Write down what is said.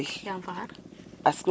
Wa yaam xar ?